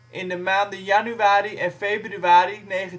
in de maanden januari en februari 1995